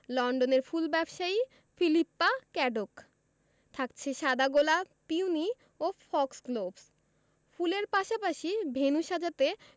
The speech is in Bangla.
লন্ডনের ফুল ব্যবসায়ী ফিলিপ্পা ক্র্যাডোক থাকছে সাদা গোলাপ পিওনি ও ফক্সগ্লোভস ফুলের পাশাপাশি ভেন্যু সাজাতে